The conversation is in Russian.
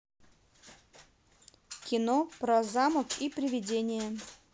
кино про замок и привидения